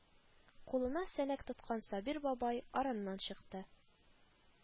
Кулына сәнәк тоткан Сабир бабай араннан чыкты